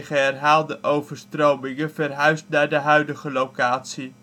herhaalde overstromingen verhuisd naar de huidige locatie